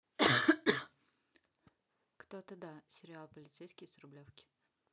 кто то да сериал полицейский с рублевки